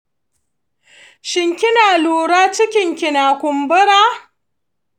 shin kina lura cikinki na kumbura?